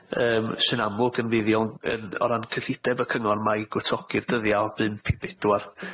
yym sy'n amlwg yn fuddiol yn- o ran cyllideb y cyngor 'ma i gwtogi'r dyddia' o bump i bedwar.